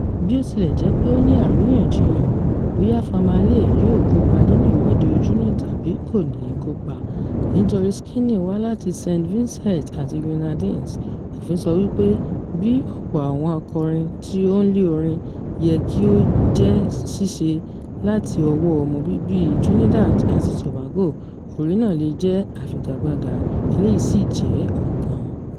Bí ó ti lẹ̀ jé pé ó ní àríyànjiyàn bóyá "Famalay" yóò kópa nínú Ìwọ́de Ojúnà tàbí kò ní í kópa, nítorí Skinny wá láti St. Vincent àti Grenadines, òfin sọ wípé bí “ọ̀pọ̀ àwọn akọrin tí ó ń lé orin” yẹ kí "ó jẹ́ ṣíṣe láti ọwọ́ọ ọmọ bíbíi Trinidad àti Tobago", orin náà lè jẹ́ afigagbága – eléyìí sì jẹ́ ọ̀kan.